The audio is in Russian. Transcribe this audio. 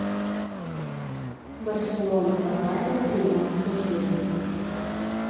барселона бавария прямой эфир